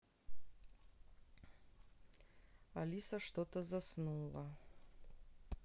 алиса что то заснула